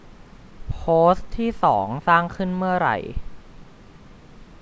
โพสต์ที่สองสร้างขึ้นเมื่อไร